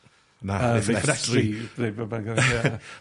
Na. Neu neu ffenetri ie.